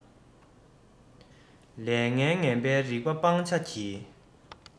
ལས ངན ངན པའི རིགས ལ སྤང བྱ གྱིས